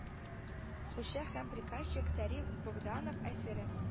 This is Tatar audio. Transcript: Хуща һәм приказчик тариф богданов әсәре